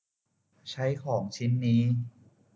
ใช้ของชิ้นนี้